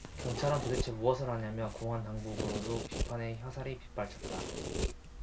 경찰은 도대체 무엇을 하느냐며 공안당국으로도 비판의 화살이 빗발쳤다